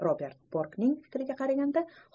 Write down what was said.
robert borkning fikriga qaraganda